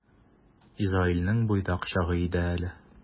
Изаилнең буйдак чагы иде әле.